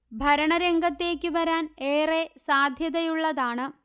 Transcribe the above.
ഭരണ രംഗത്തേക്ക് വരാൻഏറെ സാധ്യതയുള്ളതാണ്